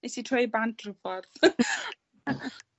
nes i troi e bant rhyw ffordd.